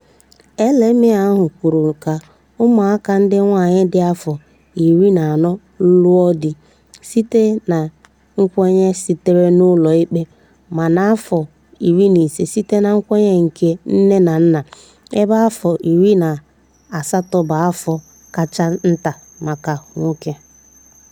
LMA ahụ kwere ka ụmụaka ndị nwaanyị dị afọ 14 lụọ di site na nkwenye sitere n'ụlọ ikpe ma n'afọ 15 site na nkwenye nke nne na nna ebe afọ 18 bụ afọ kacha nta maka nwoke.